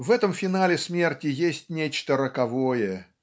В этом финале смерти есть нечто роковое.